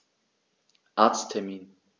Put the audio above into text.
Arzttermin